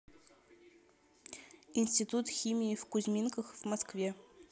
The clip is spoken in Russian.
институт химии в кузьминках в москве